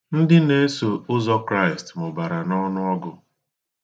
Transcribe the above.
Ndị na-eso ụzọ Kraịst mụbara n'ọnụọgụ.